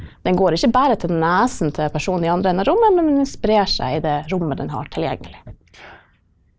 den går ikke bare til nesen til personen i andre enden av rommet, men den sprer seg i det rommet den har tilgjengelig.